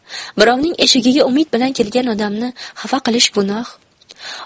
birovning eshigiga umid bilan kelgan odamni xafa qilish gunoh